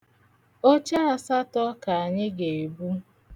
Oche asatọ ka anyị ga-ebu.